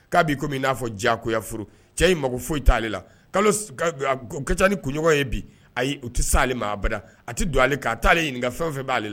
K'a b'i comme i n'a fɔ diyagoya furu cɛ in mako foyi tɛ ale la kalo a ka ca ni kunɲɔgɔn ye bi ayi u tɛ s'ale ma abada a tɛ don ale kan a t'ale ɲininka fɛn o fɛn b'ale la